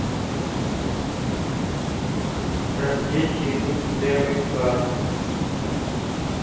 как дети идут в первый класс